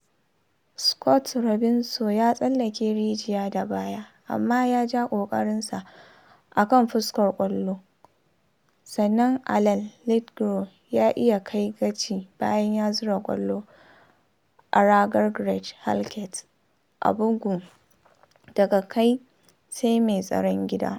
Scott Robinson ya tsallake rijiya da baya amma ya ja ƙoƙarinsa a kan fuskar kwallo, sannan Alan Lithgow ya iya kai gaci bayan ya zura kwallo a ragar Craig Halkett a bugun daga kai sai mai tsaron gida.